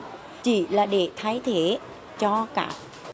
chỉ là để thay thế cho các